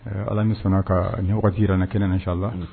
Ala ni sɔnna ka ni wagati yɛrɛ na kɛnɛɛnɛ sa la